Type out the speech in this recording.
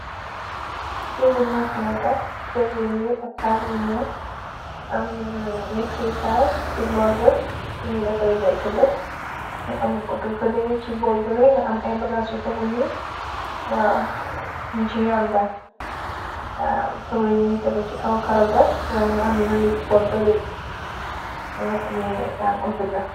Toogu ñu fineka, toogu yuñuul ak tabul yu ñuul, am migseekaay ci borga fuñuy defari lekk ba nga, am ooto fale ci borga la nga am ay bagaas yu tegu ni, waw ñu ci yoon ga, tobay ñi ngi tegu ci kaw karoga, way nga am yoon di pot galee funge am me ooto ga